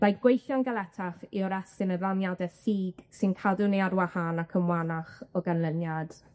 Rhaid gweithio'n galetach i oresgyn y raniade ffug sy'n cadw ni ar wahân ac yn wanach o ganlyniad.